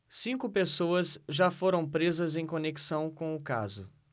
cinco pessoas já foram presas em conexão com o caso